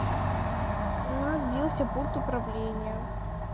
у нас бился пульт управления